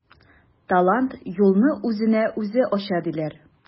Талант юлны үзенә үзе ача диләр.